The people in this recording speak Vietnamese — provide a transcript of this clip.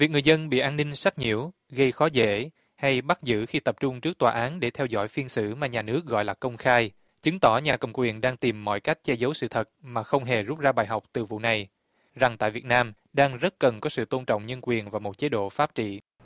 việc người dân bị an ninh sách nhiễu gây khó dễ hay bắt giữ khi tập trung trước tòa án để theo dõi phiên xử mà nhà nước gọi là công khai chứng tỏ nhà cầm quyền đang tìm mọi cách che giấu sự thật mà không hề rút ra bài học từ vụ này rằng tại việt nam đang rất cần có sự tôn trọng nhân quyền và một chế độ pháp trị